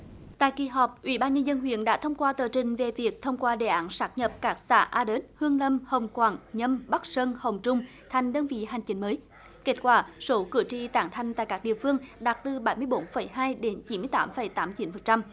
tại kỳ họp ủy ban nhân dân huyện đã thông qua tờ trình về việc thông qua đề án sáp nhập các xã a đớt hương lâm hồng quảng nhâm bắc sơn hồng trung thành đơn vị hành chính mới kết quả số cử tri tán thành tại các địa phương đạt từ bảy mươi bốn phẩy hai đến chín mươi tám phẩy tám chín phần trăm